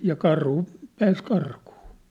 ja karhu pääsi karkuun